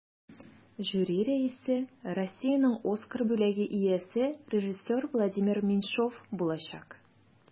Жюри рәисе Россиянең Оскар бүләге иясе режиссер Владимир Меньшов булачак.